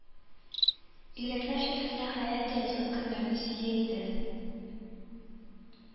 Йөрәкләр шикелле, хәят та язгы төннәрне сөя иде